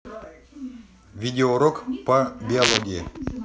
видеоурок по биологии